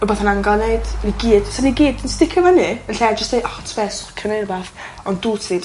rwbath yn angan neud. Ni gyd... 'Sa ni gyd yn sticio fynny yn lle jys deu' o t'be so gallu neu' rwbath ond dw't ti.